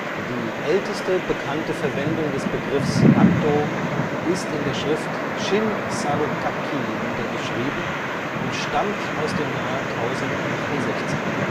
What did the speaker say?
Die älteste bekannte Verwendung des Begriffs Nattō ist in der Schrift Shin Sarugakki niedergeschrieben und stammt aus dem Jahr 1068